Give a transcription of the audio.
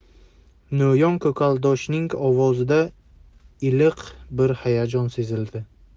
no'yon ko'kaldoshning ovozida iliq bir hayajon sezildi